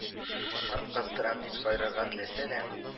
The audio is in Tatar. Шшаккатырам дип сайрарга теләсә дә